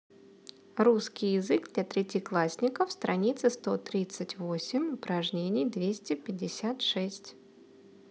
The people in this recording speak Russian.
русский язык для третьеклассников страницы сто тридцать восемь упражнений двести пятьдесят шесть